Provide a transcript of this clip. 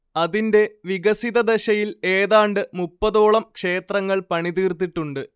അതിന്റെ വികസിതദശയിൽ ഏതാണ്ട് മുപ്പതോളം ക്ഷേത്രങ്ങൾ പണിതീർത്തിട്ടുണ്ട്